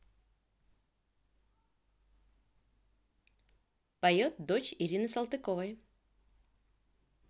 поет дочь ирина салтыкова